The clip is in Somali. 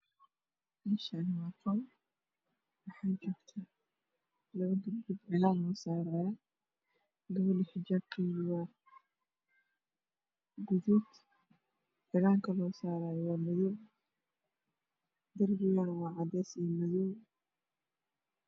Halkan waa fadhiyo labo gabdhod dharka kalara ey watan waa madow iyo dahabi iyo baar